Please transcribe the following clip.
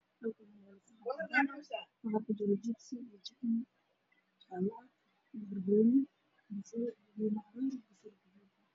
Halkaan waxaa ku jiro jibsi, chicken, banbanooni iyo icun